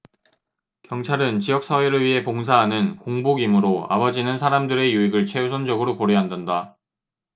경찰은 지역 사회를 위해 봉사하는 공복이므로 아버지는 사람들의 유익을 최우선적으로 고려한단다